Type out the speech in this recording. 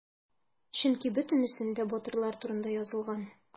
Чөнки бөтенесендә батырлар турында язылган.